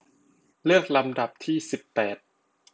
เลือกลำดับที่สิบแปด